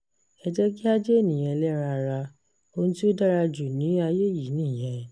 Ẹ jẹ́ kí a jẹ́ ènìyàn ẹlẹ́ran ara, ohun tí ó dára jù ní ayé yìí nìyẹn.